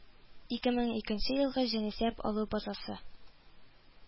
Ике мең икенче елгы җанисәп алу базасы